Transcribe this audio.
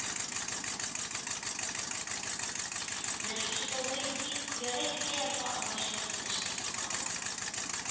Менә шушы таудай биек, кыядай текә ярга агач баскыч салынган